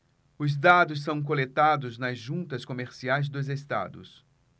os dados são coletados nas juntas comerciais dos estados